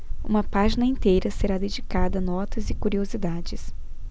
uma página inteira será dedicada a notas e curiosidades